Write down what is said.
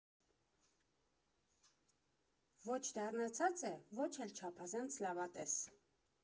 Ոչ դառնացած է, ոչ էլ չափազանց լավատես։